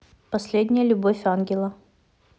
последняя любовь ангела